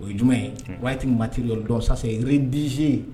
O ye jumɛn ye waati maati l dɔnsasa yɛrɛ dz ye